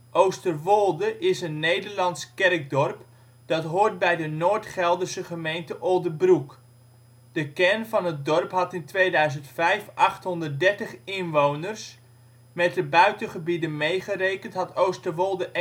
Oosterwolde is een Nederlands kerkdorp dat hoort bij de Noord-Gelderse gemeente Oldebroek. De kern van het dorp had in 2005 830 inwoners, met de buitengebieden meegerekend had Oosterwolde